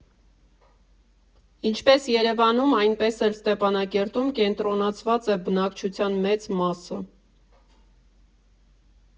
Ինչպես Երևանում, այնպես էլ Ստեփանակերտում կենտրոնացած է բնակչության մեծ մասը։